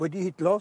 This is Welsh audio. Wedi hidlo.